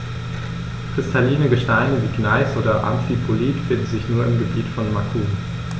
Kristalline Gesteine wie Gneis oder Amphibolit finden sich nur im Gebiet von Macun.